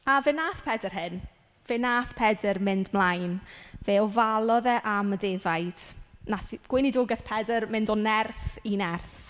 A fe wnaeth Pedr hyn. Fe wnaeth Pedr mynd mlaen. Fe ofalodd e am y defaid. Wnaeth gweinidogaeth Pedr mynd o nerth i nerth.